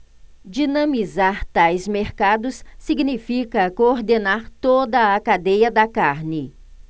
dinamizar tais mercados significa coordenar toda a cadeia da carne